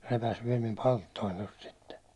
repäisi vielä minun palttooni tuosta sitten